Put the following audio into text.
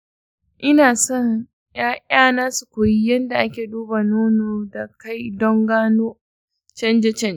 ina son ’ya’yana su koyi yadda ake duba nono da kai don gano canje-canje.